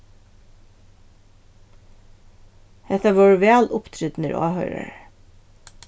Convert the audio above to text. hetta vóru væl uppdrignir áhoyrarar